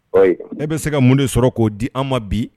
Ayi ne bɛ se ka mun de sɔrɔ k'o di an ma bi